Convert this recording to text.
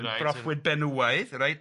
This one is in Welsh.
Yn broffwyd benywaidd reit.